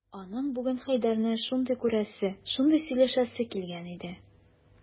Аның бүген Хәйдәрне шундый күрәсе, шундый сөйләшәсе килгән иде...